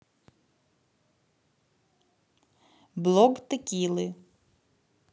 блог текиллы